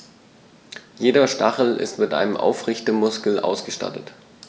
Jeder Stachel ist mit einem Aufrichtemuskel ausgestattet.